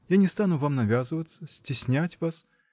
я не стану вам навязываться, стеснять вас